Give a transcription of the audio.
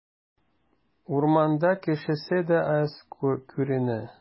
Урамда кешесе дә аз күренә.